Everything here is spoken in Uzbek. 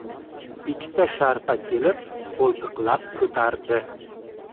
ikkita sharpa kelib qo'ltiqlab ko'tardi